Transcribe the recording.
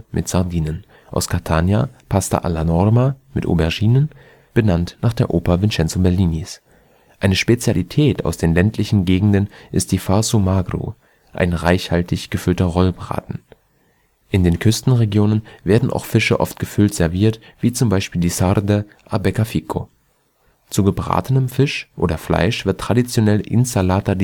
mit Sardinen, aus Catania Pasta alla Norma mit Auberginen, benannt nach der Oper Vincenzo Bellinis. Eine Spezialität aus den ländlichen Gegenden ist der Farsu magru, ein reichhaltig gefüllter Rollbraten. In den Küstenregionen werden auch Fische oft gefüllt serviert wie zum Beispiel die Sarde a beccafico. Zu gebratenem Fisch oder Fleisch wird traditionell Insalata